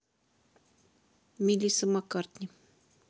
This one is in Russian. мелисса маккартни